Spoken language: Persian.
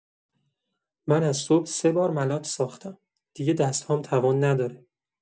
من از صبح سه بار ملات ساختم، دیگه دست‌هام توان نداره.